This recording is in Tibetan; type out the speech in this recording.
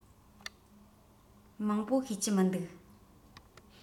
མང པོ ཤེས ཀྱི མི འདུག